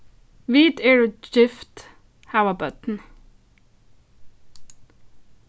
vit eru gift hava børn